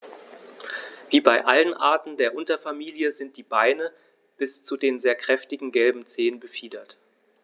Wie bei allen Arten der Unterfamilie sind die Beine bis zu den sehr kräftigen gelben Zehen befiedert.